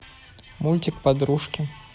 мультик подружки